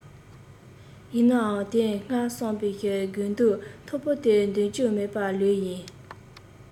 ཡིན ནའང དེ སྔ བསམས པའི དགོས འདུན མཐོ པོ དེ འདོན རྒྱུ མེད པ ལོས ཡིན